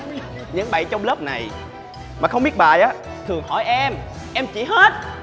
những bạn trong lớp này mà không biết bài á thường hỏi em em chỉ hết